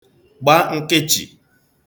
gba ǹkịchị̀